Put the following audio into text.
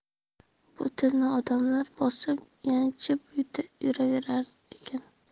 bu tilni odamlar bosib yanchib yuraverar ekan